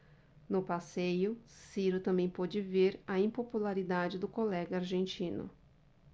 no passeio ciro também pôde ver a impopularidade do colega argentino